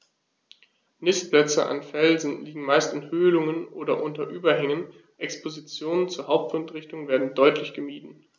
Nistplätze an Felsen liegen meist in Höhlungen oder unter Überhängen, Expositionen zur Hauptwindrichtung werden deutlich gemieden.